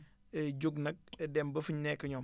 jug nag dem ba fu ñu nekk ñoom